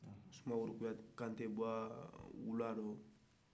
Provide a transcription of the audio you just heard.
sumaworo kante bɔla wula la